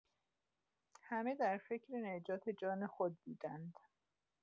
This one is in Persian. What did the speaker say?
همه در فکر نجات جان خود بودند.